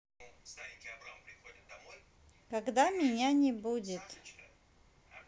когда меня не будет